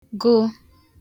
gụ